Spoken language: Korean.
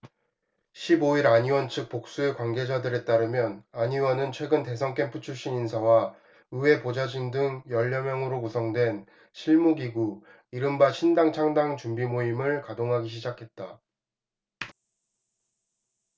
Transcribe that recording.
십 오 일 안 의원 측 복수의 관계자들에 따르면 안 의원은 최근 대선캠프 출신 인사와 의회 보좌진 등 열 여명으로 구성된 실무기구 이른바 신당창당준비모임을 가동 하기 시작했다